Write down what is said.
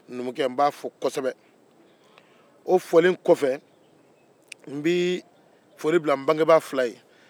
n bɛ numukɛ fo kosɛbɛ o folen kɔfɛ n bɛ foli bila n bangebaga fila ye